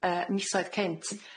yy misoedd cynt.